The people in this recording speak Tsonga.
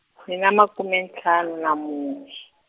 kwe ni na makume ntlhanu na mune.